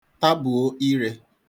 tabùo irē